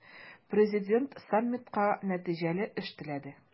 Президент саммитка нәтиҗәле эш теләде.